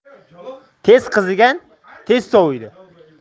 tez qizigan tez soviydi